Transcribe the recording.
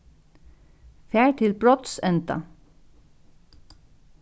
far til brotsenda